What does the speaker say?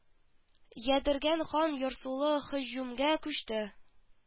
Ядегәр хан-хан ярсулы һөҗүмгә күчте